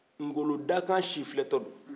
ngolo dakan sifilɛ tɔ don